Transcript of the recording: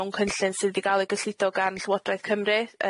mewn cynllun sydd 'di ga'l ei gyllido gan Llywodraeth Cymru